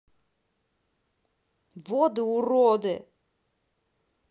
воды уроды